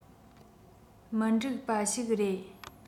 མི འགྲིག པ ཞིག རེད